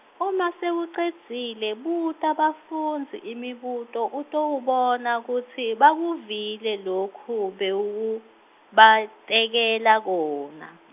uma sewucedzile buta bafundzi imibuto utawubona kutsi bakuvile loku bewubatekela kona.